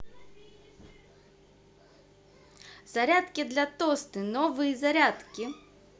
зарядки для тосты новые зарядки